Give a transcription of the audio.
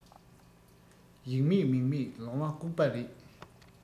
ཡིག མེད མིག མེད ལོང བ སྐུགས པ རེད